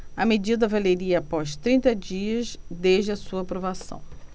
a medida valeria após trinta dias desde a sua aprovação